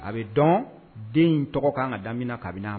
A bɛ dɔn den in tɔgɔ kan ka daminɛmin kabini